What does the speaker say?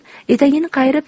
etagini qayirib